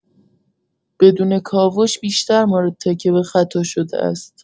بدون کاوش بیشتر مرتکب خطا شده است.